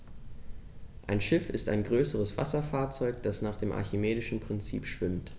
Ein Schiff ist ein größeres Wasserfahrzeug, das nach dem archimedischen Prinzip schwimmt.